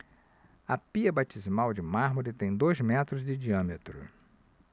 a pia batismal de mármore tem dois metros de diâmetro